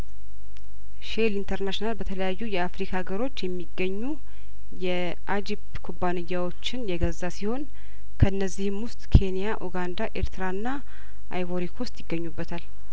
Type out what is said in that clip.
ሼል ኢንተርናሽናል በተለያዩ የአፍሪካ ሀገሮች የሚገኙ የአጂፕ ኩባንያዎችን የገዛ ሲሆን ከእነዚህም ውስጥ ኬንያ ኡጋንዳ ኤርትራና አይቮሪኮስ ይገኙበታል